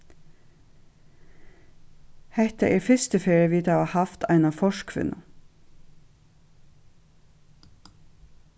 hetta er fyrstu ferð vit hava havt eina forkvinnu